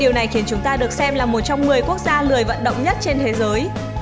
điều này khiến chúng ta được xem là một trong quốc gia lười vận động nhất trên thế giới